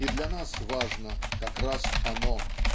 и для нас важно как раз оно.